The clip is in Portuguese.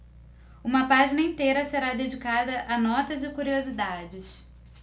uma página inteira será dedicada a notas e curiosidades